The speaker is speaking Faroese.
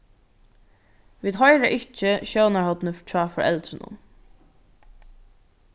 vit hoyra ikki sjónarhornið hjá foreldrunum